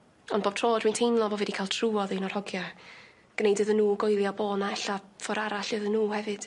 Ond bob tro dwi'n teimlo bo' fi 'di ca'l trŵodd i un o'r hogia gneud iddyn nw goelio bo' 'na ella ffor arall iddyn nw hefyd.